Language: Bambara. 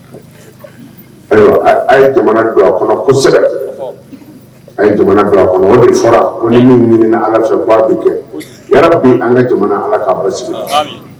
Ayiwa a ye jaman don a kɔnɔ kosɛbɛ. A ye jamana don a kɔnɔ, o de fɔra ko ni min ɲinina ala fɛ ko ala b'o de kɛ. Kojugu! Ya rabi an ka jamana ala k'a basigi. Amine !